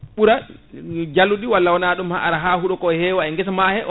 ɓuura jaaluɗi walla won ɗum ara ha huuɗokon heewa e guessa ma he